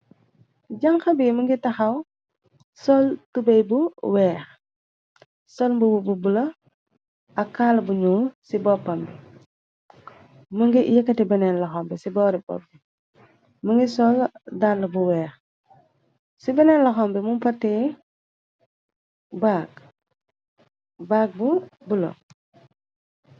Janxa bi mi ngi taxaw sool tubey bu weex sol mbubu bu bula ak kaal bunu ci boppam bi më ngi yëkkati beneen loxambi ci boori bopp bi mu ngi sol dall bu weex ci beneen loxambi mu patee baag bu bula.